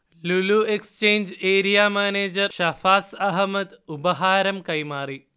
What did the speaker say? Lulu exchange area manager Shafas Ahmed ഉപഹാരം കൈമാറി